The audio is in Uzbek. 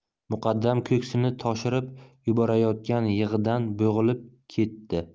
muqaddam ko'ksini toshirib yuborayotgan yig'idan bo'g'ilib ketdi